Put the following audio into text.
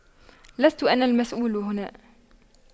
لست أنا المسؤول هنا